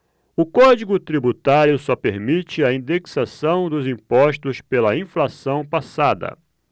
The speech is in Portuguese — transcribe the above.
o código tributário só permite a indexação dos impostos pela inflação passada